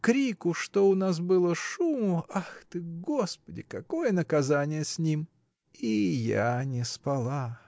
крику что у нас было, шуму — ах ты Господи, какое наказание с ним! — И я не спала.